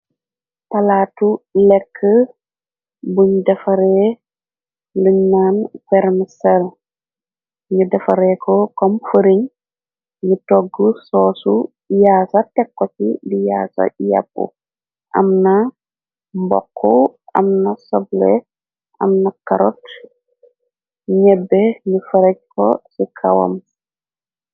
palaatu lekk buñ defaree luñ naan vernssel ñu defareeko kom furiñ nu togg soosu yaasa tekko ci di yaasa yapp amna mbokk amna soble amna karoc ñebbe ñu farej ko ci kawam.